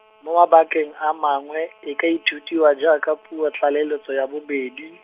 mo mabakeng a mangwe, e ka ithutiwa jaaka puo tlaleletso ya bobedi.